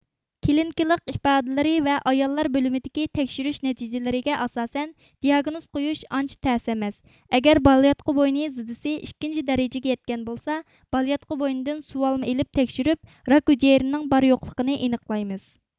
كېلنىكلىق ئىپادىلىرى ۋە ئاياللار بۆلۈمىدىكى تەكشۈرۈش نەتىجىلىرىگە ئاساسەن دىئاگنوز قويۇش ئانچە تەس ئەمەس ئەگەر بالىياتقۇ بوينى زېدىسى ئىككىنچى دەرىجىگە يەتكەن بولسا بالىياتقۇ بوينىدىن سۇۋالما ئېلىپ تەكشۈرۈپ راك ھۈجەيرىنىڭ بار يوقلىغىنى ئېنىقلايمىز